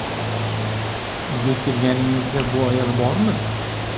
uyga kelganingizda bu ayol bormidi